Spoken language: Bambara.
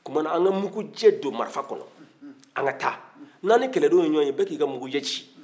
o tumana an ka mugujɛ don marifa kɔnɔ an ka taa n'an ni kɛlɛdenw ye ɲɔgɔn ye bɛ k'i ka mugujɛ ci